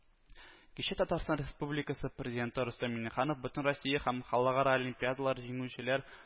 Кичә Татарстан Республикасы Президенты Рөстәм Миңнеханов бөтенроссия һәм халыкара олимпиадалар җиңүчеләр